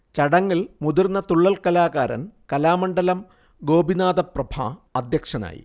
ചടങ്ങിൽ മുതിർന്ന തുള്ളൽ കലാകാരൻ കലാമണ്ഡലം ഗോപിനാഥപ്രഭ അധ്യക്ഷനായി